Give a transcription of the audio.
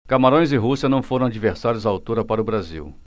camarões e rússia não foram adversários à altura para o brasil